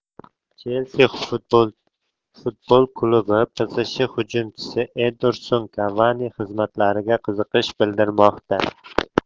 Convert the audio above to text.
chelsi futbol klubi psj hujumchisi edinson kavani xizmatlariga qiziqish bildirmoqda